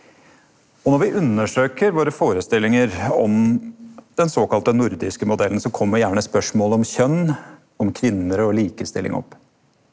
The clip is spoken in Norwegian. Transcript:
og når vi undersøker våre førestillingar om den såkalla nordiske modellen, så kjem gjerne spørsmålet om kjønn om kvinner og likestilling opp.